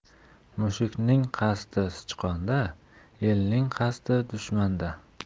mushukning qasdi sichqonda elning qasdi dushmanda